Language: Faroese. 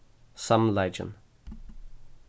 samleikin